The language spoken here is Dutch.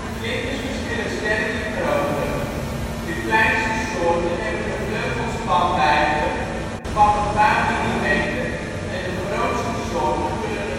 Vlinders verschillen sterk in grootte; de kleinste soorten hebben een vleugelspanwijdte van een paar millimeter en de grootste soorten kunnen